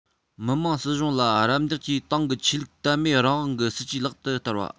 མི དམངས སྲིད གཞུང ལ རམ འདེགས ཀྱིས ཏང གི ཆོས ལུགས དད མོས རང དབང གི སྲིད ཇུས ལག ཏུ བསྟར བ